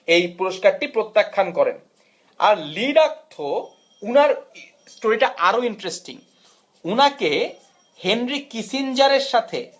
আর Le Duc Tho উনা স্টোরিটা আরো ইন্টারেস্টিং উনাকে হেনরি কিসিঞ্জার এর সাথে